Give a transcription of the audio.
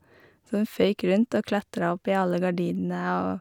Så hun føyk rundt og klatra opp i alle gardinene og...